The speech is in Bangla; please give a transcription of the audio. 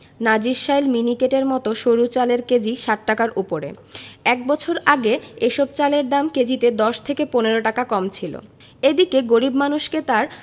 নাজিরশাইল মিনিকেটের মতো সরু চালের কেজি ৬০ টাকার ওপরে এক বছর আগে এসব চালের দাম কেজিতে ১০ থেকে ১৫ টাকা কম ছিল এদিকে গরিব মানুষকে তাঁর